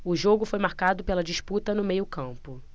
o jogo foi marcado pela disputa no meio campo